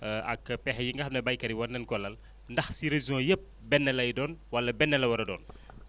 ak pexe yi nga xam ne béykat yi war nañ ko lal ndax si régions yëpp benn lay doon wala benn la war a doon